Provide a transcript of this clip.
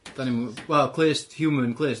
'Dan ni'm y gw-... Wel clust human glust.